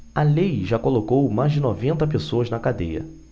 a lei já colocou mais de noventa pessoas na cadeia